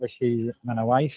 Felly ma' 'na waith.